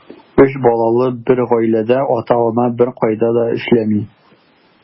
Өч балалы бер гаиләдә ата-ана беркайда да эшләми.